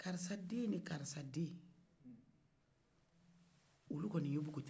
karisa den ni karisa den olu kɔni ye bogotigiye